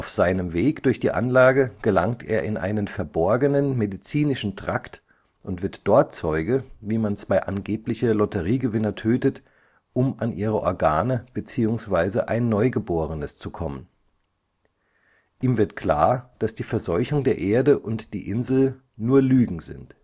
seinem Weg durch die Anlage gelangt er in einen verborgenen medizinischen Trakt und wird dort Zeuge, wie man zwei angebliche Lotteriegewinner tötet, um an ihre Organe bzw. ein Neugeborenes zu kommen. Ihm wird klar, dass die Verseuchung der Erde und die Insel nur Lügen sind